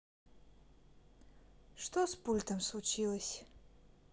что с пультом случилось